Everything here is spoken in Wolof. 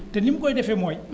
te nim koy defee mooy